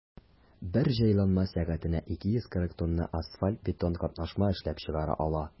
Бер җайланма сәгатенә 240 тонна асфальт–бетон катнашма эшләп чыгара ала.